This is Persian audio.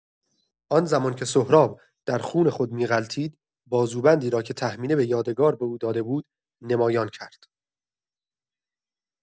آن‌زمان که سهراب، در خون خود می‌غلتید، بازوبندی را که تهمینه به یادگار به او داده بود، نمایان کرد.